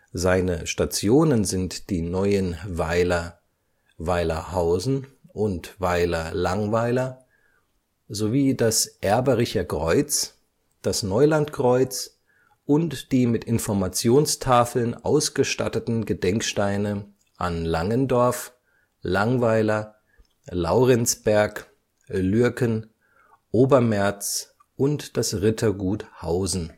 Seine Stationen sind die neuen Weiler Weiler Hausen und Weiler Langweiler sowie das Erbericher Kreuz, das Neulandkreuz und die mit Informationstafeln ausgestatteten Gedenksteine an Langendorf, Langweiler, Laurenzberg, Lürken, Obermerz und das Rittergut Hausen